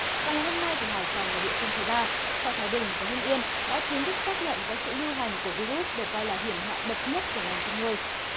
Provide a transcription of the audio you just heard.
và ngày hôm nay thì hải phòng là địa phương thứ ba sau thái bình và hưng yên đã chính thức xác nhận có sự lưu hành của vi rút được coi là hiểm họa bậc nhất của ngành chăn nuôi